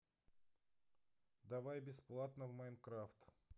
давай бесплатно в майнкрафт